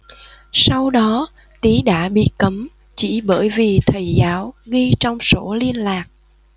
sau đó tý đã bị cấm chỉ bởi vì thầy giáo ghi trong sổ liên lạc